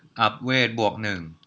อัพเวทบวกหนึ่ง